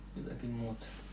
jotakin muuta